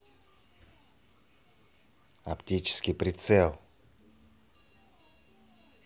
оптический прицел